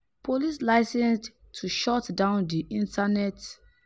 Police licensed to shut down the internet